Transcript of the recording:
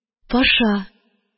– паша!